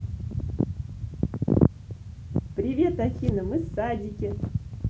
привет афина мы садике